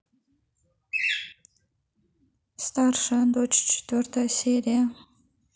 старшая дочь четвертая серия